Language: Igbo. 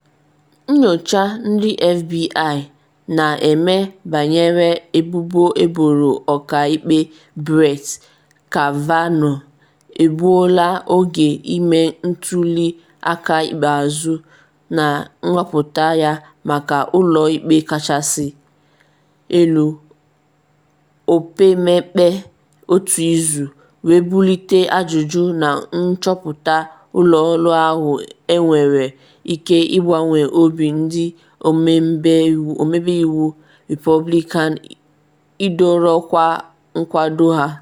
Nyocha ndị FBI na-eme banyere ebubo eboro Ọka Ikpe Brett Kavanaugh egbuola oge ime ntuli aka ikpeazụ na nhọpụta ya maka Ụlọ Ikpe Kachasị Elu opekempe otu izu, wee bulite ajụjụ na nchọpụta ụlọ ọrụ ahụ enwere ike ịgbanwe obi ndị ọmebe iwu Repọblikan ịdọrọkwa nkwado ha.